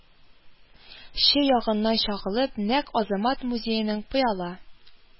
Че ягыннан чагылып, нәкъ азамат музееның пыяла